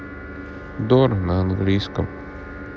дора на английском